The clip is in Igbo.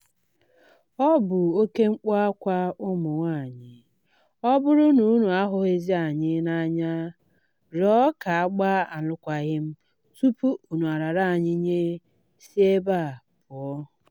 Ọ bụ oke mkpu akwa, ụmụ nwaanyị ọ bụrụ na unu ahụghịzị anyị n'anya rịọ ka a gbaa alụkwaghịm tupu unu arara anyị nye, si ebe a pụọ.